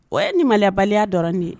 O ye ninmaliyabaliya dɔrɔn de ye